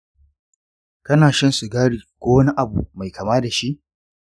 kana shan sigari ko wani abu mai kama da shi?